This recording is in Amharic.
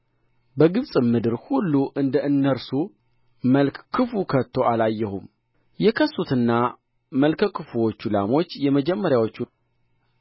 በግብፅም ምድር ሁሉ እንደ እነርሱ መልከ ክፉ ከቶ አላየሁም የከሱትና መልከ ክፋዎቹ ላሞች የመጀመሪያዎቹን